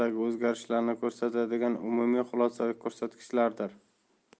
o'zgarishlarni ko'rsatadigan umumiy xulosaviy ko'rsatkichlardir